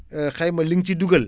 xayma li nga ci dugal